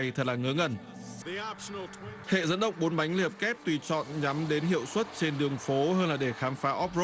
thật là ngớ ngẩn hệ dẫn động bốn bánh liệp kép tùy chọn nhắm đến hiệu suất trên đường phố hơn là để khám phá óp rốp